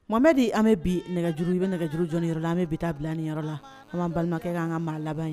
Wamɛ di an bi nɛgɛjuru bɛ nɛgɛjurujni yɔrɔ la an bɛ bi taa bila niyɔrɔ la an ka balimakɛ'an ka maa laban ye